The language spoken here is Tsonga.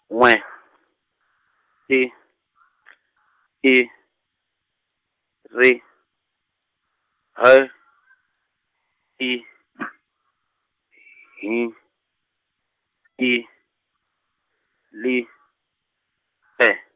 n'we I , I ri- I yi- I li- E.